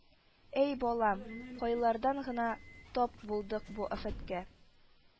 – әй балам, кайлардан гына тап булдык бу афәткә